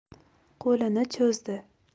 qo'lini cho'zdi